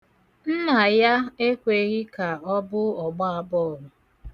Nna ya ekweghị ka ọ bụ ọgbaabọọlụ.